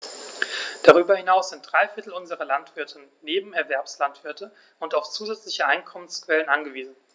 Darüber hinaus sind drei Viertel unserer Landwirte Nebenerwerbslandwirte und auf zusätzliche Einkommensquellen angewiesen.